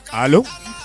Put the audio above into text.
Aa